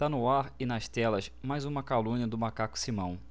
tá no ar e nas telas mais uma calúnia do macaco simão